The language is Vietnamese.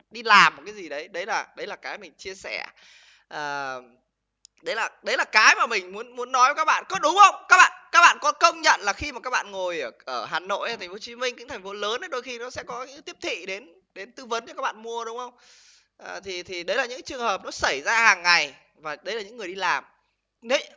đi làm một cái gì đấy đấy là đấy là cái mình chia sẻ ờ đấy là đấy là cái mà mình muốn muốn nói các bạn có đúng không các bạn các bạn có công nhận là khi mà các bạn ngồi ở hà nội thành phố hồ chí minh những thành phố lớn đôi khi nó sẽ có những cái tiếp thị đến đến tư vấn cho các bạn mua đúng không thì thì đấy là những trường hợp nó xảy ra hàng ngày và đấy là những người đi làm nên